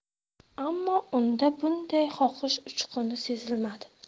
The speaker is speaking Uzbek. ammo unda bunday xohish uchquni sezilmadi